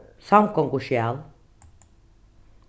samgonguskjal